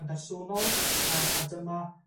yn bersonol, yym a dyma